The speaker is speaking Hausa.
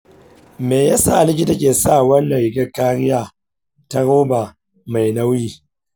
me ya sa likita ke sa wannan rigar kariya ta roba mai nauyi?